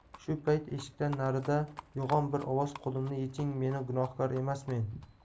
shu payt eshikdan narida yo'g'on bir ovoz qo'limni yeching men gunohkor emasmen